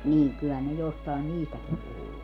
niin kyllähän ne jostakin niistäkin puhuu